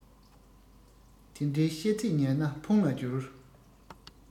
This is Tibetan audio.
དེ འདྲའི བཤད ཚད ཉན ན ཕུང ལ སྦྱོར